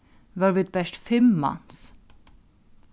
vóru vit bert fimm mans